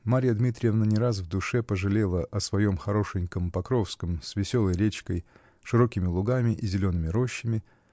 Марья Дмитриевна не раз в душе пожалела о своем хорошеньком Покровском с веселой речкой, широкими лугами и зелеными рощами